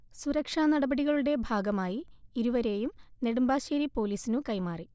സുരക്ഷാ നടപടികളുടെ ഭാഗമായി ഇരുവരെയും നെടുമ്പാശേരി പോലീസിനുകൈമാറി